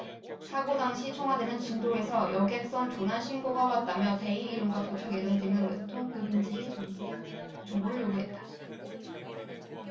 사고 당시 청와대는 진도에서 여객선 조난신고가 왔냐며 배의 이름 도착 예정지 몇 톤 급인지에 정보를 요구했다